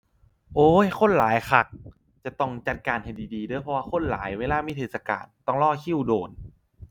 โอ๊ย คนหลายคักจะต้องจัดการให้ดีดีเด้อเพราะว่าคนหลายเวลามีเทศกาลต้องรอคิวโดน